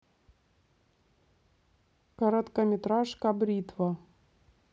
короткометражка бритва